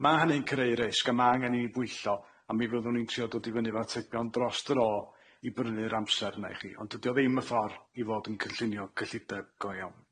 Ma' hynny'n creu risg a ma' angen i ni bwyllo a mi fyddwn ni'n trio dod i fyny efo atebion dros dro i brynu'r amser 'na i chi ond dydi o ddim y ffor i fod yn cynllunio cyllideb go iawn.